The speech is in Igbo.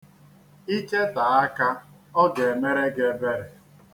I chetee aka ọ ga-emere gị ebere.